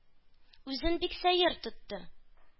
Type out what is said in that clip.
Үзен бик сәер тотты.